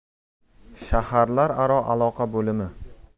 shaharlararo aloqa bo'limi